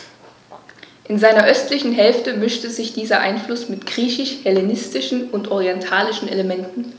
In seiner östlichen Hälfte mischte sich dieser Einfluss mit griechisch-hellenistischen und orientalischen Elementen.